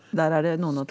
der er det noen å.